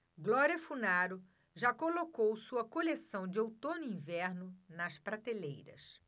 glória funaro já colocou sua coleção de outono-inverno nas prateleiras